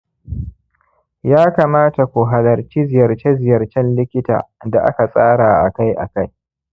ya kamata ku halarci ziyarce-ziyarcen likita da aka tsara akai-akai